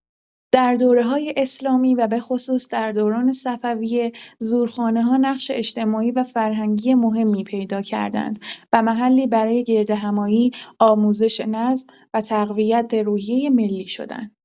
در دوره‌های اسلامی و به‌خصوص در دوران صفویه، زورخانه‌ها نقش اجتماعی و فرهنگی مهمی پیدا کردند و محلی برای گردهمایی، آموزش نظم و تقویت روحیه ملی شدند.